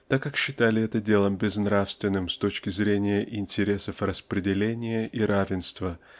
так как считали это делом безнравственным с точки зрения интересов распределения и равенства